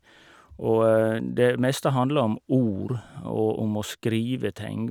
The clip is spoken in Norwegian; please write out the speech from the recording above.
Og det meste handler om ord og om å skrive ting.